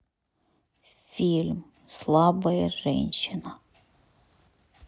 фильм слабая женщина